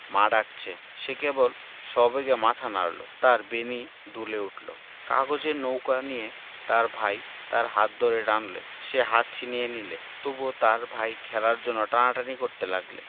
মা ডাকছে সে কেবল সবেগে মাথা নাড়ল তার বেণী দুলে উঠল কাগজের নৌকা নিয়ে তার ভাই তার হাত ধরে টানলে সে হাত ছিনিয়ে নিলে তবুও তার ভাই খেলার জন্যে টানাটানি করতে লাগলে